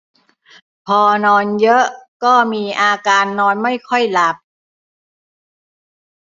พอนอนเยอะก็มีอาการนอนไม่ค่อยหลับ